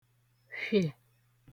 -fhìè